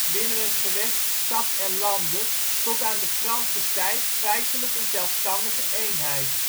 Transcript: binnen het gewest Stad en Lande tot aan de Franse tijd feitelijk een zelfstandige eenheid